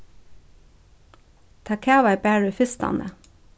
tað kavaði bara í fyrstani